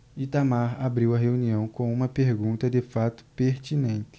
itamar abriu a reunião com uma pergunta de fato pertinente